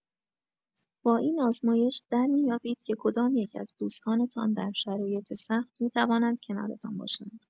با این آزمایش درمی‌یابید که کدام‌یک از دوستانتان در شرایط سخت می‌توانند کنارتان باشند.